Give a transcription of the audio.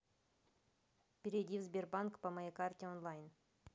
перейди в сбербанк по моей карте онлайн